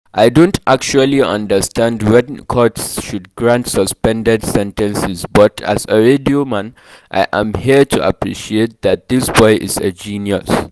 I don’t actually understand when courts should grant suspended sentences but, as a radio man, I am here to appreciate that this boy is a genius.”